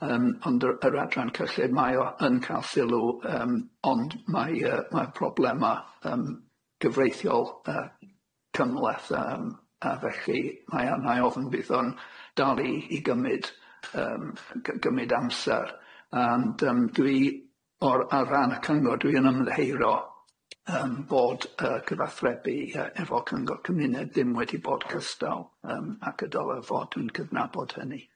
Yym ond yr yr adran cyllid mae o yn ca'l sylw yym ond mae yy mae'n problema yym gyfreithiol yy cymleth yym a felly mae a'nai ofn bydd o'n dal i i gymyd yym gy- gymyd amser and yym dwi o'r ar ran y cyngor dwi yn ymddiheuro yym bod yy cyfathrebu yy efo cyngor cymuned ddim wedi bod cystal yym ac y dyle fod dwi'n cydnabod hynny.